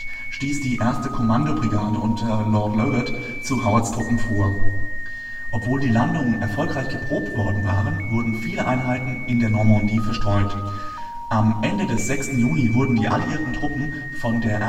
Kommandobrigade, unter Lord Lovat zu Howards Truppen vor. Obwohl die Landungen erfolgreich geprobt worden waren, wurden viele Einheiten in der Normandie verstreut. Am Ende des 6. Juni wurden die Alliierten Truppen von der